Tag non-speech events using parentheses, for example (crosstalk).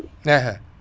(hesitation) (hesitation)